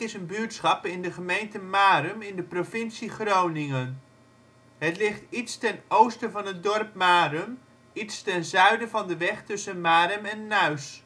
buurtschap in de gemeente Marum in de provincie Groningen. Het ligt iets ten oosten van het dorp Marum, iets ten zuiden van de weg tussen Marum en Nuis